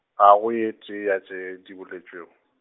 a go e tee ya tše, di boletšego.